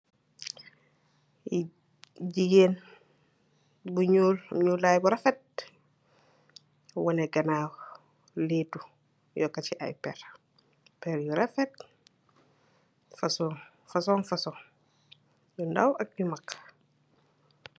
Jigeen bu nyeoul tai leihtu karawam bi nassy pehrri.